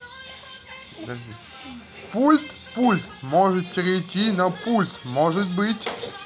пульт пульт может перейти на пульт может быть